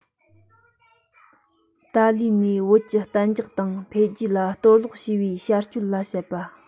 ཏཱ ལའི ནས བོད ཀྱི གཏན འཇགས དང འཕེལ རྒྱས ལ གཏོར བརླག བྱས པའི བྱ སྤྱོད ལ དཔྱད པ